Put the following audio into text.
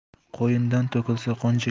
qo'yindan to'kilsa qo'njiga